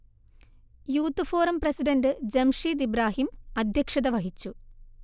youth forum president Jamsheed Ibrahim അദ്ധ്യക്ഷത വഹിച്ചു